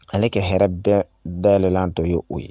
Ale ka hɛrɛ bɛɛ dalala dɔ ye o ye